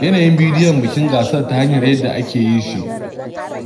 Yanayin bidiyon bikin gasar ta hanyar yadda aka yi shi,